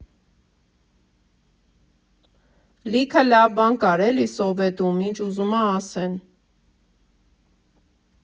Լիքը լավ բան կար էլի Սովետում, ինչ ուզում ա ասեն։